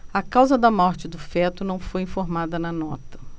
a causa da morte do feto não foi informada na nota